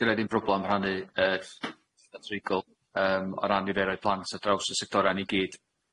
Gynna i ddim problam rhannu yr y treigl yym o ran niferoedd plant ar draws 'yn sectora ni gyd.